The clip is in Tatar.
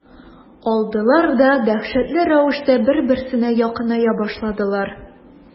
Алдылар да дәһшәтле рәвештә бер-берсенә якыная башладылар.